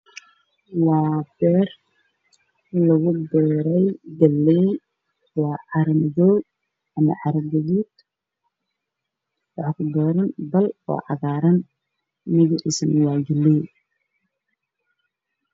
Waa beer lugu beeray galay waa carro madow ama carro gaduud waxaa lugu beeray bal oo cagaaran oo galay ah.